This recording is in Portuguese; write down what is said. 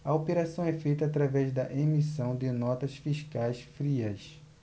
a operação é feita através da emissão de notas fiscais frias